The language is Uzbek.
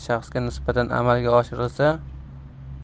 shaxsga nisbatan amalga oshirilsa